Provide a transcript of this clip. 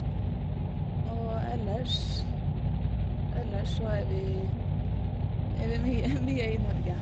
Og ellers ellers så er vi er vi mye mye i Norge.